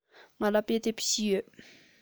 ང ལ དཔེ དེབ བཞི ཡོད